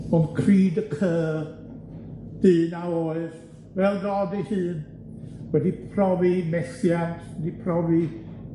ond cri de coeur, dyn a oedd, fel Dodd ei hun, wedi profi methiant wedi profi